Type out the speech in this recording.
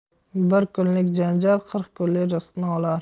bir kunlik janjal qirq kunlik rizqni olar